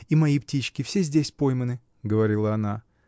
И мои птички все здесь пойманы, — говорила она.